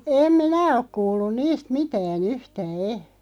en minä ole kuullut niistä mitään yhtään en